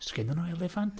Oes gennyn nhw eliffant?